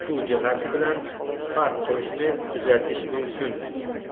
shu jihati bilan farq qilishini kuzatish mumkin